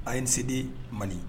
ANCD Mali